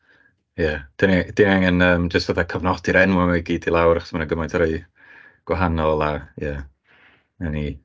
Ia dan ni a- dan ni angen yym jyst fatha cyfnodi'r enwa 'ma i gyd i lawr, achos ma' na gymaint o rei gwahanol a... ia 'na ni.